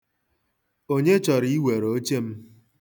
Onye chọrọ iwere oche m?